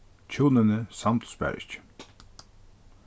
hjúnini samdust bara ikki